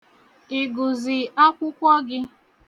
Ị gụzi akwụkwọ gị?